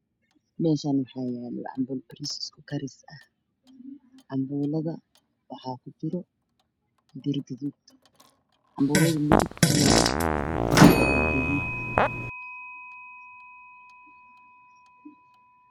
Meshaan waxaa yaalo cambulo bariis igku karis ah cambulada waxaa ku jira digir gaduud cambulada midabkewdu waa gaduud